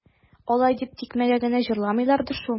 Алай дип тикмәгә генә җырламыйлардыр шул.